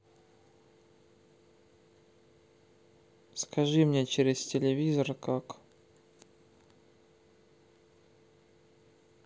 скажи мне через телевизор как